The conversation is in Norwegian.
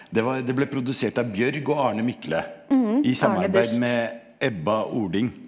det var det ble produsert av Bjørg og Arne Mykle i samarbeid med Ebbe Ording.